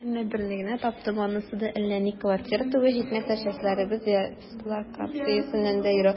Әмма берне генә таптым, анысы да әллә ни квартира түгел, җитмәсә, частьләребез дислокациясеннән дә ерак.